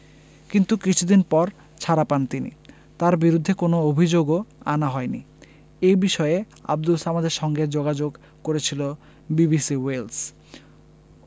কিন্তু কিছুদিন পর ছাড়া পান তিনি তাঁর বিরুদ্ধে কোনো অভিযোগও আনা হয়নি এ বিষয়ে আবদুল সামাদের সঙ্গে যোগাযোগ করেছিল বিবিসি ওয়েলস